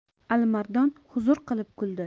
alimardon huzur qilib kuldi